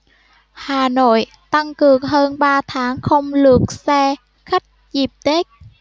hà nội tăng cường hơn ba tháng không lượt xe khách dịp tết